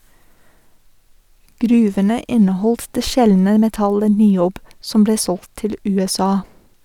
Gruvene inneholdt det sjeldne metallet niob, som ble solgt til USA.